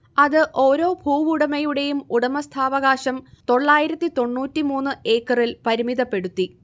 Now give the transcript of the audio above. അത് ഓരോ ഭൂവുടമയുടെയും ഉടമസ്ഥാവകാശം തൊള്ളായിരത്തി തൊണ്ണൂറ്റി മൂന്ന് ഏക്കറിൽ പരിമിതപ്പെടുത്തി